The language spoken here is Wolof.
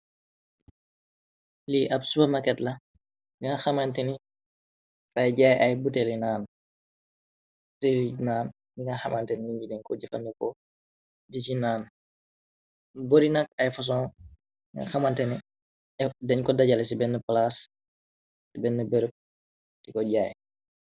lii ab supamaket la ninga xamante ni fay jaay ay buteli naan teli naan di nga xamante ni ngi den ko jëfande ko jë ci naan bori nak ay poson nga xamante ni dañ ko dajale ci benn palaas ci benn bërëb tiko jaay